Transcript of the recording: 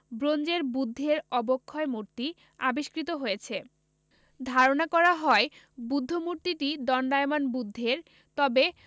ব্রোঞ্জের বুদ্ধের অবক্ষয়মূর্তি আবিষ্কৃত হয়েছে ধারণা করা হয় বুদ্ধমূর্তিটি দন্ডায়মান বুদ্ধের তবে